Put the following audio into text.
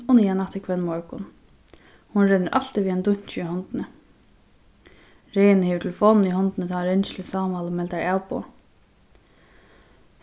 og niðan aftur hvønn morgun hon rennur altíð við einum dunki í hondini regin hevur telefonina í hondini tá hann ringir til sámal og meldar avboð